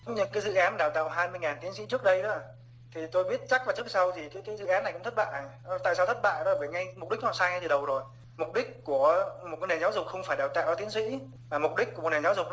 nhưng dự án đào tạo hai mươi ngàn tiến sĩ trước đây đó thì tôi biết chắc trước sau thì dự án này cũng thất bại tại sao thất bại bởi vì mục đích sai ngay từ đầu rồi mục đích của một nền giáo dục không phải đào tạo ra tiến sĩ và mục đích của một nền giáo dục